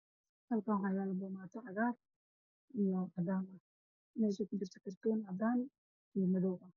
Waa daawada ilkaal marsado midabkeedu yahay cagaar furkeedu yahay cadaan waana kartoon iyo daawo